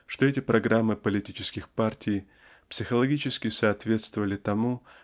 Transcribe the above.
чтобы эти программы политических партий психологически соответствовали тому